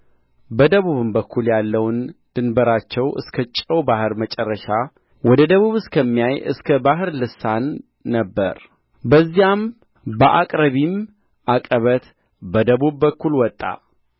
በደቡብም በኩል ያለው ድንበራቸው እስከ ጨው ባሕር መጨረሻ ወደ ደቡብ እስከሚያይ እስከ ባሕር ልሳን ነበረ ከዚያም በአቅረቢም ዐቀበት በደቡብ በኩል ወጣ